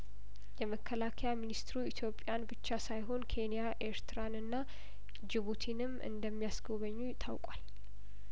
የመከላከያ ሚኒስትሩ ኢትዮጵያን ብቻ ሳይሆን ኬንያ ኤርትራንና ጅቡቲንም እንደሚያስጐበኙ ታውቋል